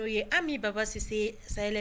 Oui, Ami Baba Sise Sahel